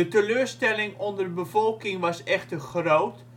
teleurstelling onder bevolking was echter groot